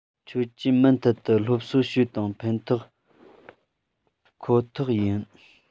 ཁྱོད ཀྱིས མུ མཐུད དུ སློབ གསོ བྱོས དང ཕན ཐོགས ཁོ ཐག ཡིན